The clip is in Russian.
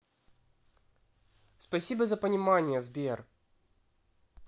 спасибо за понимание сбер